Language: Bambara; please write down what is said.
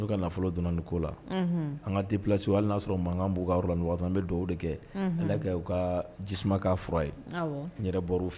ka nafolo donna ni ko la. Unhun. An ka déplacé hali n'a sɔrɔ mankan b'u ka yɔrɔ la ni waati, an bɛ duwahu de kɛ. Unhun! Ala ka o ka jisuma kɛ a fura ye. Awɔ! N yɛrɛ bɔra u